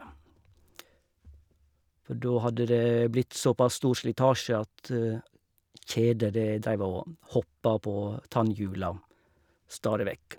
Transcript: For da hadde det blitt såpass stor slitasje at kjedet det dreiv og hoppa på tannhjula stadig vekk.